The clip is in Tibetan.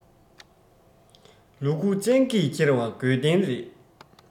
ལུ གུ སྤྱང ཀིས འཁྱེར བ དགོས བདེན རེད